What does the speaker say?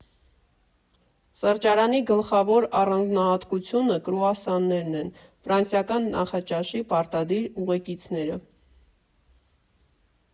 Սրճարանի գլխավոր առանձնահատկությունը կրուասաններն են՝ ֆրանսիական նախաճաշի պարտադիր ուղեկիցները։